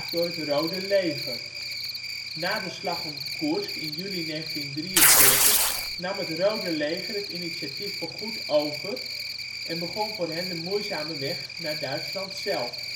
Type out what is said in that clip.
door het Rode leger. Na de Slag om Koersk in juli 1943 nam het Rode Leger het initiatief voorgoed over en begon voor hen de moeizame weg naar Duitsland zelf